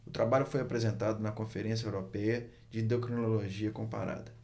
o trabalho foi apresentado na conferência européia de endocrinologia comparada